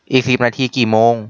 อีกสิบนาทีกี่โมง